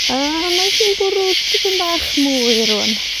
A, mae hi'n bwrw tipyn bach mwy rŵan.